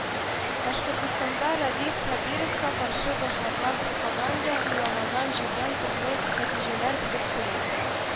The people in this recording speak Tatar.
Башкортстанда Радий Хәбировка каршы башланган пропаганда, уйламаган җирдән, төрле нәтиҗәләр биреп куя